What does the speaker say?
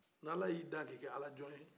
n'ala y'i dan k'i kɛ alajɔn ye